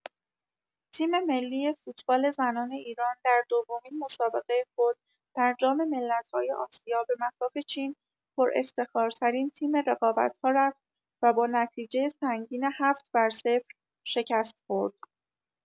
تیم‌ملی فوتبال زنان ایران در دومین مسابقه خود در جام ملت‌های آسیا به مصاف چین، پرافتخارترین تیم رقابت‌ها رفت و با نتیجه سنگین ۷ بر صفر شکست خورد.